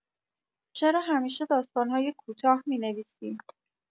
چرا همیشه داستان‌های کوتاه می‌نویسی؟